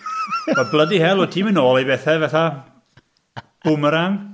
Wel, bloody hell. Ti'n mynd nôl i bethau fatha boomerang.